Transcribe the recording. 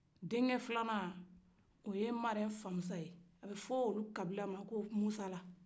den cɛ filanan o ye nmarefamusa ye a bɛ fɔ olu kabila ma ko musala